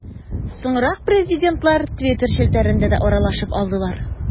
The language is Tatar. Соңрак президентлар Twitter челтәрендә дә аралашып алдылар.